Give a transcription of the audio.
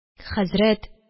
Хәзрәт